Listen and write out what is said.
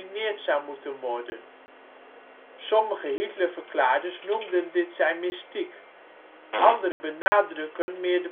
Sommige Hitlerverklaarders noemen dit zijn mystiek. Anderen benadrukken meer